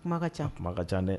Kuma ka ca kuma ka jan dɛɛ